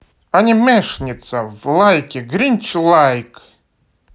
анимешница в лайке гринч лайк